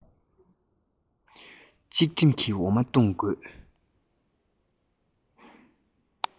གཅིག སྒྲིམ གྱིས འོ མ བཏུང དགོས